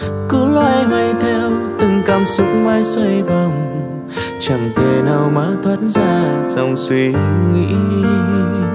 cứ loay hoay theo từng cảm xúc mãi xoay vòng chẳng thể nào mà thoát ra dòng suy nghĩ